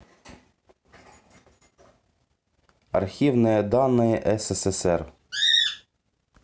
архивные данные ссср